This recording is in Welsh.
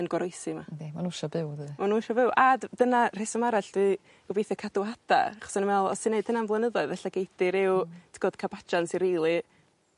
yn goroesi 'ma. Yndi ma' n'w isio byw yndydi? Ma' n'w isio byw. A d- dyna rheswm arall 'di gobeithio cadw hade achos 'dan ni me'wl os ti neud hynna am flynyddoedd falle gei di ryw t- good cabatsian sy rili